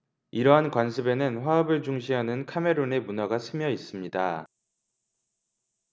이러한 관습에는 화합을 중시하는 카메룬의 문화가 스며 있습니다